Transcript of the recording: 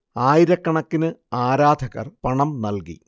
ആയിരക്കണക്കിന് ആരാധകർ പണം നൽകി